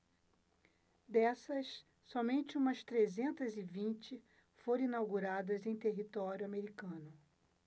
dessas somente umas trezentas e vinte foram inauguradas em território americano